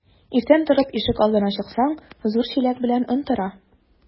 Иртән торып ишек алдына чыксак, зур чиләк белән он тора.